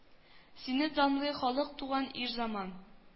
Сине данлый халык туган ир заман